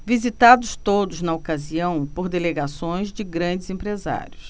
visitados todos na ocasião por delegações de grandes empresários